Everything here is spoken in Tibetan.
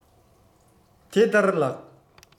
དེ ལྟར ལགས